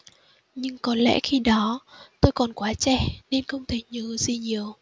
nhưng có lẽ khi đó tôi còn quá trẻ nên không thể nhớ gì nhiều